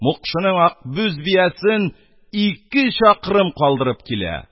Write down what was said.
Мукшының акбүз биясен ике чакрым калдырып килә.